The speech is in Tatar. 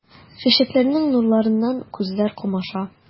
Чәчәкләрнең нурларыннан күзләр камаша.